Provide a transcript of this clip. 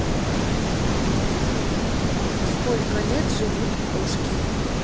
сколько лет живут кошки